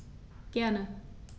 Gerne.